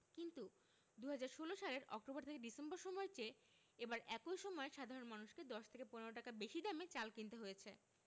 কিন্তু ২০১৬ সালের October December সময়ের চেয়ে এবার একই সময়ে সাধারণ মানুষকে ১০ থেকে ১৫ টাকা বেশি দামে চাল কিনতে হয়েছে